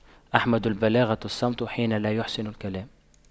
أحمد البلاغة الصمت حين لا يَحْسُنُ الكلام